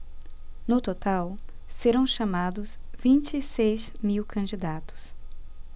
no total serão chamados vinte e seis mil candidatos